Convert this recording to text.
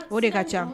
O de ka ca